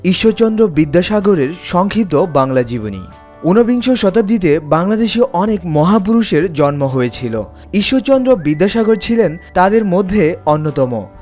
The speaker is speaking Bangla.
ঈশ্বরচন্দ্র বিদ্যাসাগরের সংক্ষিপ্ত বাংলা জীবনী উনবিংশ শতাব্দীতে বাংলাদেশে অনেক মহাপুরুষের জন্ম হয়েছিল ঈশ্বরচন্দ্র বিদ্যাসাগর ছিলেন তাদের মধ্যে অন্যতম